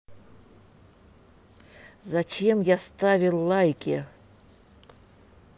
зачем я ставил лайки